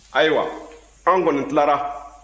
ayiwa an kɔni tilara